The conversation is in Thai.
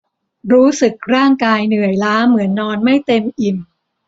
รู้สึกร่างกายเหนื่อยล้าเหมือนนอนไม่เต็มอิ่ม